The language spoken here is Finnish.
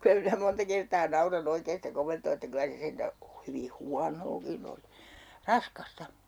kyllä minä monta kertaa nauran oikein sitä komentoa että kyllä se sentään hyvin huonoakin oli raskasta